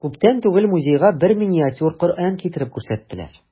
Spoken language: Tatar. Күптән түгел музейга бер миниатюр Коръән китереп күрсәттеләр.